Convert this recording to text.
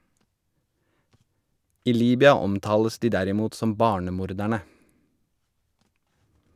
I Libya omtales de derimot som «barnemorderne».